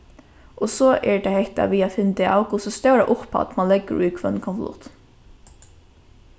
og so er tað hetta við at finna útav hvussu stóra upphædd mann leggur í hvønn konvolutt